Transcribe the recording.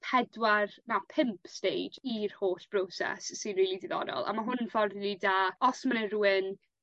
pedwar na pump stage i'r holl broses sy rili diddorol. A ma' hwn ffordd rili da os ma' 'na rhywun